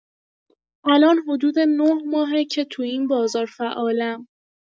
الان حدود ۹ ماهه که تو این بازار فعالم.